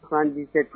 K'an t' tɛ